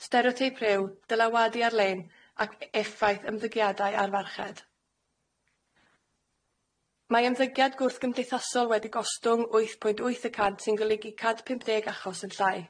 Stereotype rhyw, dylawadu ar-lein, ac effaith ymddygiadau arfarched. Mae ymddygiad gwrth-gymdeithasol wedi gostwng wyth pwynt wyth y cant sy'n golygu can pumpdeg achos yn llai.